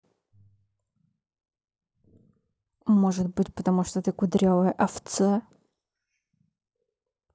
может быть потому что ты кудрявая овца